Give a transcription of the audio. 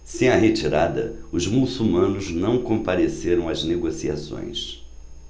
sem a retirada os muçulmanos não compareceram às negociações